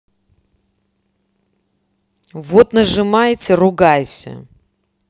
вот нажимайте ругайся